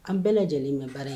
An bɛɛ lajɛlen mɛn baara ye